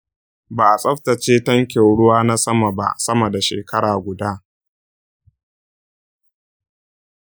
ba a tsaftace tankin ruwa na sama ba sama da shekara guda.